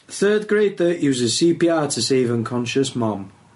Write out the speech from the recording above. Third grader uses See Pee Are to save unconscious mom.